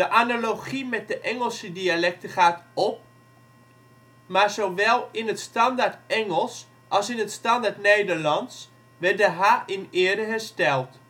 analogie met de Engelse dialecten gaat op, maar zowel in het Standaardengels als in het Standaardnederlands werd de h in ere hersteld